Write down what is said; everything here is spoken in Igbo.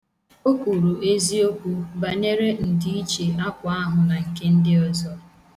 O kwuru eziokwu banyere ndiiche akwa ahụ na nke ndị ọzọ.